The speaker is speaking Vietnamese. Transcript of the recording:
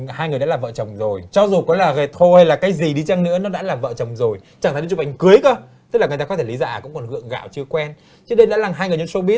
hai người đã là vợ chồng rồi cho dù có là về thôi hay là cái gì đi chăng nữa nó đã là vợ chồng rồi chẳng hạn như chụp ảnh cưới cơ tức là người ta có thể lý giải à có phần gượng gạo chưa quen chứ đây đã là hai người trên sâu bít